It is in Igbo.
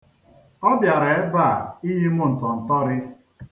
Ọ bịara ebe a iyi m ntọntọrị.